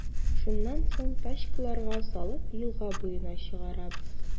Шуннан соң, тачкаларга салып, елга буена чыгарабыз.